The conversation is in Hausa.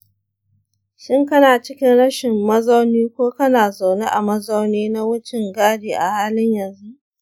shin kana cikin rashin mazauni ko kana zaune a mazauni na wucin gadi a halin yanzu?